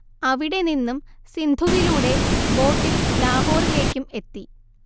അവിടെനിന്നും സിന്ധുവിലൂടെ ബോട്ടിൽ ലാഹോറിലേക്കും എത്തി